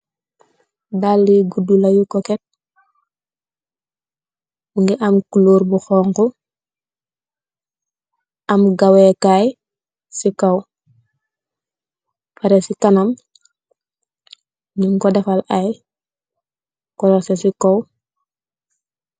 daalil bu guuda bu hougka.